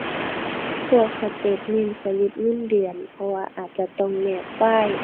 พวกสเตตเมนต์ สลิปเงินเดือน เพราะว่าอาจจะต้องแนบไฟล์